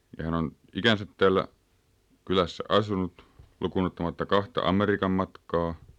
ja hän on ikänsä täällä kylässä asunut lukuunottamatta kahta Amerikan matkaa